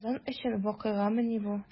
Казан өчен вакыйгамыни бу?